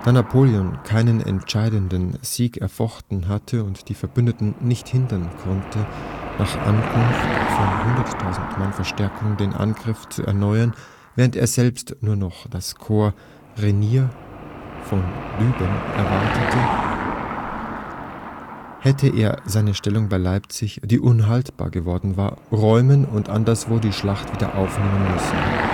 Napoleon keinen entscheidenden Sieg erfochten hatte und die Verbündeten nicht hindern konnte, nach Ankunft von 100.000 Mann Verstärkung den Angriff zu erneuern, während er selbst nur noch das Korps Reynier von Düben erwartete, hätte er seine Stellung bei Leipzig, die unhaltbar geworden war, räumen und anderswo die Schlacht wieder aufnehmen müssen